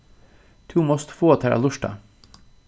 tú mást fáa teir at lurta